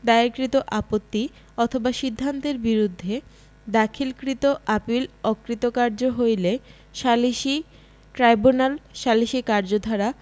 দায়েরকৃত আপত্তি অথবা সিদ্ধান্তের বিরুদ্ধে দাখিলকৃত আপীল অকৃতভার্য হইলে সালিসী ট্রাইব্যুনাল সালিসী কার্যধারা